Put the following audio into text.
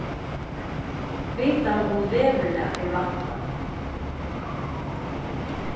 vitan um veðurlag er væntað